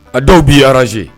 A dɔw b'i araze